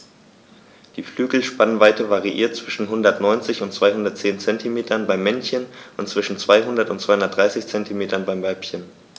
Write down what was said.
Die Flügelspannweite variiert zwischen 190 und 210 cm beim Männchen und zwischen 200 und 230 cm beim Weibchen.